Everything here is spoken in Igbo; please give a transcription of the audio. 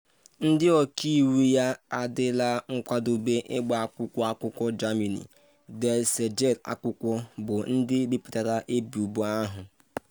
Ndị ọka iwu ya adịla nkwadobe ịgba akwụkwọ akụkọ Germany, Der Spiegel akwụkwọ, bụ ndị biputara ebubo ahụ.